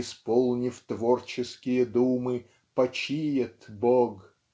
-- Исполнив творческие думы Почиет Бог.